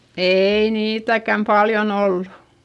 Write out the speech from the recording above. ei niitäkään paljon ollut